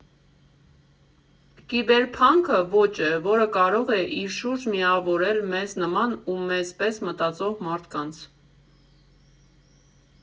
Կիբերփանկը ոճ է, որ կարող է իր շուրջ միավորել մեզ նման ու մեզ պես մտածող մարդկանց։